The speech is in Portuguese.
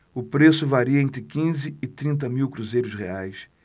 o preço varia entre quinze e trinta mil cruzeiros reais